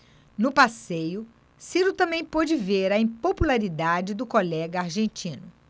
no passeio ciro também pôde ver a impopularidade do colega argentino